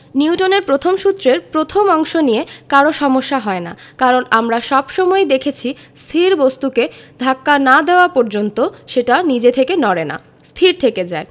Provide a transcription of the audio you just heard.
নিউটনের প্রথম সূত্রের প্রথম অংশ নিয়ে কারো সমস্যা হয় না কারণ আমরা সব সময়ই দেখেছি স্থির বস্তুকে ধাক্কা না দেওয়া পর্যন্ত সেটা নিজে থেকে নড়ে না স্থির থেকে যায়